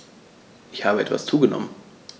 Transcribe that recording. Ich habe etwas zugenommen